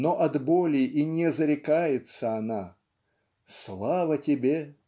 Но от боли и не зарекается она "Слава тебе